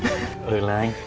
ừ là anh